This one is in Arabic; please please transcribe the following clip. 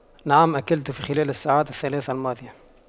نعم أكلت في خلال الساعات الثلاث الماضية